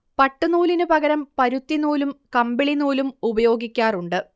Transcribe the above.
പട്ട്നൂലിന് പകരം പരുത്തി നൂലും കമ്പിളി നൂലും ഉപയോഗിക്കാറുണ്ട്